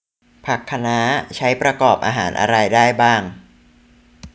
ผักคะน้าใช้ประกอบอาหารอะไรได้บ้าง